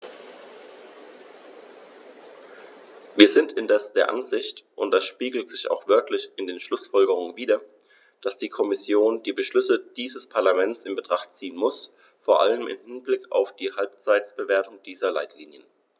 Wir sind indes der Ansicht und das spiegelt sich auch wörtlich in den Schlussfolgerungen wider, dass die Kommission die Beschlüsse dieses Parlaments in Betracht ziehen muss, vor allem im Hinblick auf die Halbzeitbewertung dieser Leitlinien.